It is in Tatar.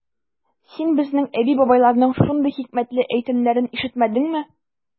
Син безнең әби-бабайларның шундый хикмәтле әйтемнәрен ишетмәдеңме?